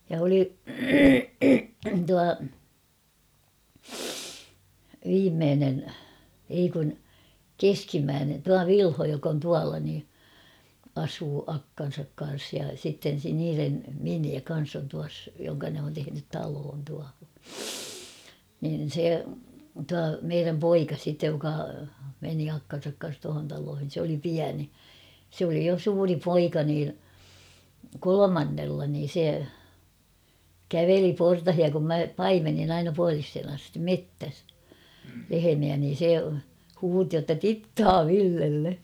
ja oli tuo viimeinen ei kun keskimmäinen tuo Vilho joka on tuolla niin asuu akkansa kanssa ja sitten se niiden miniä kanssa on tuossa johon ne on tehnyt talon tuohon niin se tuo meidän poika sitten joka meni akkansa kanssa tuohon taloihin se oli pieni se oli jo suuri poika niin kolmannella niin se käveli portaita kun minä paimensin aina puoliseen asti metsässä lehmiä niin se huusi jotta tittaa Villelle